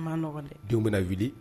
Nɔgɔ don bɛ wuli